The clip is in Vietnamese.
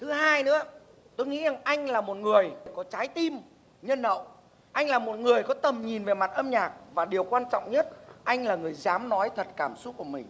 thứ hai nữa tôi nghĩ rằng anh là một người có trái tim nhân hậu anh là một người có tầm nhìn về mặt âm nhạc và điều quan trọng nhất anh là người dám nói thật cảm xúc của mình